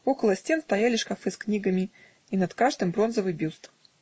около стен стояли шкафы с книгами, и над каждым бронзовый бюст